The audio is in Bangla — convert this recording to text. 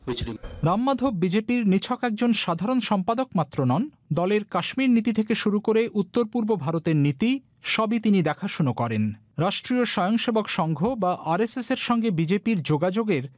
হুইচ